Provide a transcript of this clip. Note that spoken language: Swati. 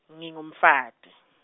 ngingumfati.